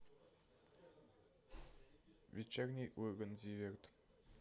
вечерний ургант зиверт